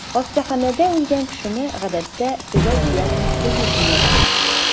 Хастаханәдә үлгән кешене, гадәттә, төгәл диагноз кую өчен яралар.